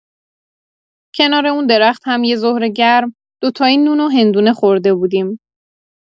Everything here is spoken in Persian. کنار اون درخت هم یه ظهر گرم، دوتایی نون و هندونه خورده بودیم.